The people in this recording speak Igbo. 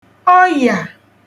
ọyị̀à